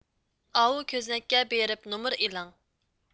ئاۋۇ كۆزنەككە بېرىپ نومۇر ئېلىڭ